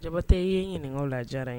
Jaba tɛ y yee ɲininka laja ye